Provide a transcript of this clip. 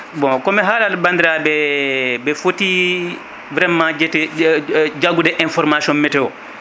bon komin haalat bandiraɓe ɓe foti vraiment ƴew jaggude information météo